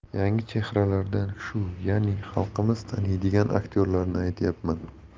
yangi chehralardan shu ya'ni xalqimiz taniydigan aktyorlarni aytyapman